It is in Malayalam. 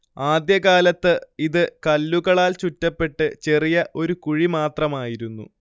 ആദ്യ കാലത്ത് ഇത് കല്ലുകളാൽ ചുറ്റപ്പെട്ട് ചെറിയ ഒരു കുഴി മാത്രമായിരുന്നു